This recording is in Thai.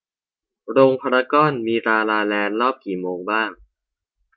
โรงพารากอนมีลาลาแลนด์รอบกี่โมงบ้าง